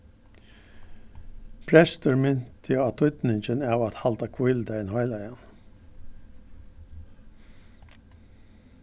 prestur minti á týdningin av at halda hvíludagin heilagan